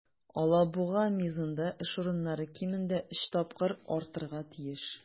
"алабуга" мизында эш урыннары кимендә өч тапкырга артарга тиеш.